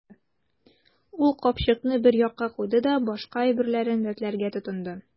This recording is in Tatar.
Ул капчыкны бер якка куйды да башка әйберләрен рәтләргә тотынды.